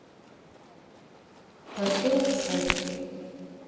поселок шумский